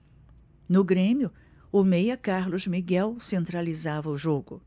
no grêmio o meia carlos miguel centralizava o jogo